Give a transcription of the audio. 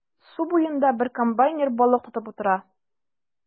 Су буенда бер комбайнер балык тотып утыра.